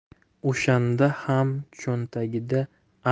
o'shanda ham cho'ntagida